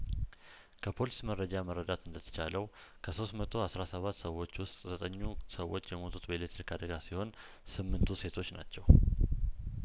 ከፖሊስ መረጃ መረዳት እንደተቻለው ከሶስት መቶ አስራ ስባት ሰዎች ውስጥ ዘጠኙ ሰዎች የሞቱት በኤሌትሪክ አደጋ ሲሆን ስምንቱ ሴቶች ናቸው